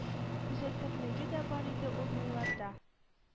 Күзәтерлеге дә бар иде ул елларда